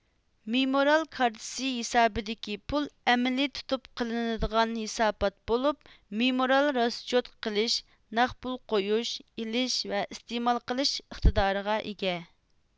مېمورال كارتىسى ھېسابىدىكى پۇل ئەمەلىي تۇتۇپ قېلىنىدىغان ھېسابات بولۇپ مېمورال راسچوت قىلىش نەق پۇل قويۇش ئېلىش ۋە ئىستېمال قىلىش ئىقتىدارىغا ئىگە